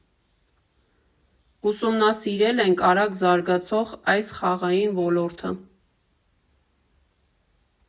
Ուսումնասիրել ենք արագ զարգացող այս խաղային ոլորտը։